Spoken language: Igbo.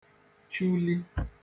chụli